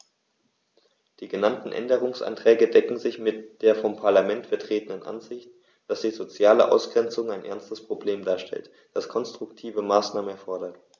Die genannten Änderungsanträge decken sich mit der vom Parlament vertretenen Ansicht, dass die soziale Ausgrenzung ein ernstes Problem darstellt, das konstruktive Maßnahmen erfordert.